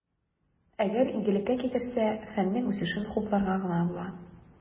Әгәр игелеккә китерсә, фәннең үсешен хупларга гына була.